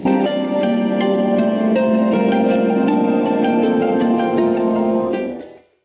music